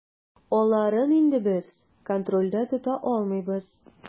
Аларын инде без контрольдә тота алмыйбыз.